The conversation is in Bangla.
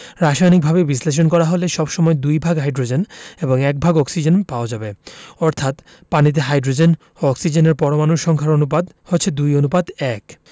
রাসায়নিকভাবে বিশ্লেষণ করা হলে সবসময় দুই ভাগ হাইড্রোজেন এবং একভাগ অক্সিজেন পাওয়া যাবে অর্থাৎ পানিতে হাইড্রোজেন ও অক্সিজেনের পরমাণুর সংখ্যার অনুপাত হচ্ছে ২ অনুপাত ১